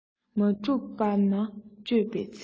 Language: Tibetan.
མ གྲུབ པ ན དཔྱོད པའི ཚེ